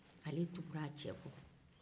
ale tugula a cɛ kɔ